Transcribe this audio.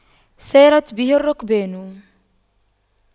سارت به الرُّكْبانُ